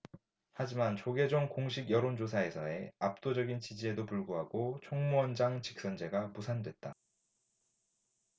하지만 조계종 공식 여론조사에서의 압도적인 지지에도 불구하고 총무원장 직선제가 무산됐다